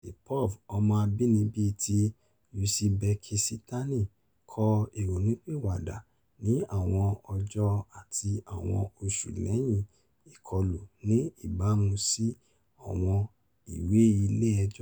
Saipov, ọmọ abínibí ti Usibekisitani, kò ìrònúpìwàdà ní àwọn ọjọ́ àti àwọn oṣù lẹyìn ìkọlù ní ìbámu sí àwọn ìwé ilé ẹjọ́.